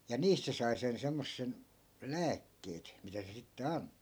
ja niistä se sai sen semmoisen lääkkeet mitä se sitten antoi